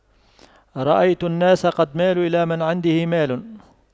رأيت الناس قد مالوا إلى من عنده مال